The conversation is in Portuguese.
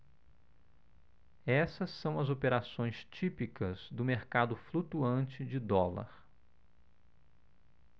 essas são as operações típicas do mercado flutuante de dólar